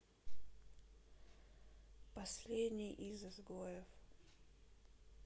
последний из изгоев